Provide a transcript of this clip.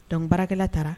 Donc baarakɛla taara